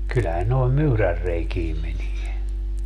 kyllähän noihin myyränreikiin menee